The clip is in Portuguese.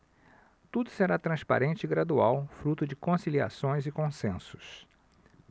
tudo será transparente e gradual fruto de conciliações e consensos